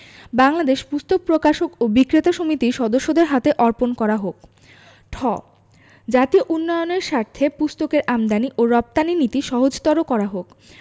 বাংলাদেশ পুস্তক প্রকাশক ও বিক্রেতা সমিতির সদস্যদের হাতে অর্পণ করা হোক ঠ জাতীয় উন্নয়নের স্বার্থে পুস্তকের আমদানী ও রপ্তানী নীতি সহজতর করা হোক